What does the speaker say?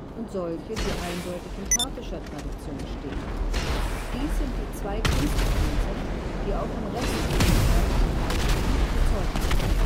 und solche, die eindeutig in parthischer Tradition stehen. Dies sind die zwei Kunstkreise, die auch im restlichen parthischen Reich gut bezeugt sind